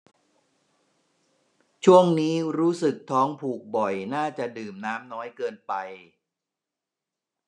ช่วงนี้รู้สึกท้องผูกบ่อยน่าจะดื่มน้ำน้อยเกินไป